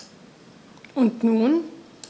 Und nun?